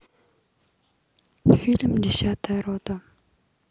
фильм десятая рота